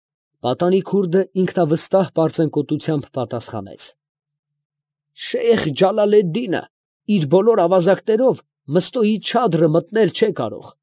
Պատանի քուրդը ինքնավստահ պարծենկոտությամբ պատասխանեց. ֊ Շեյխ Ջալալեդդինը իր բոլոր ավազակներով Մըստոյի չադրը մտնել չէ կարող։